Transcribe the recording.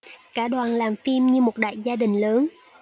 cả đoàn làm phim như một đại gia đình lớn